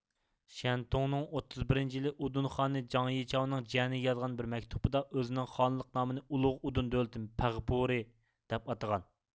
شيەنتۇڭنىڭ ئوتتۇز بىرىنچى يىلى ئۇدۇن خانى جاڭ يىچاۋنىڭ جىيەنىگە يازغان بىر مەكتۇبىدا ئۆزىنىڭ خانلىق نامىنى ئۇلۇغ ئۇدۇن دۆلىتى پەغپۇرى دەپ ئاتىغان